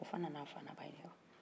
o fɛnɛ nan'a fa n'a ba ɲininka